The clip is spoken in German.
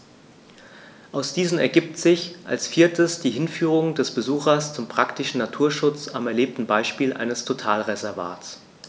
Aus diesen ergibt sich als viertes die Hinführung des Besuchers zum praktischen Naturschutz am erlebten Beispiel eines Totalreservats.